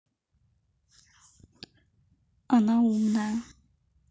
она умная